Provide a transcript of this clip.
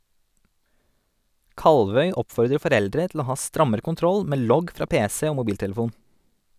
Kalvøy oppfordrer foreldre til å ha strammere kontroll med logg fra pc og mobiltelefon.